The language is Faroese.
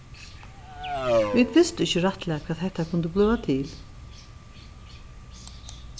vit vistu ikki rættiliga hvat hetta kundi blíva til